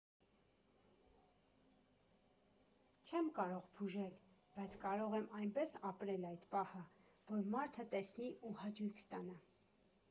Չեմ կարող բուժել, բայց կարող եմ այնպես ապրել այդ պահը, որ մարդը տեսնի ու հաճույք ստանա։